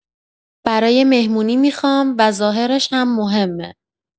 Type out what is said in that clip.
برای مهمونی می‌خوام و ظاهرش هم مهمه.